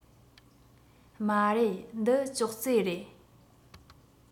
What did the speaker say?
མ རེད འདི ཅོག ཙེ རེད